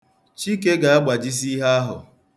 Chike ga-agbajisị ihe ahụ.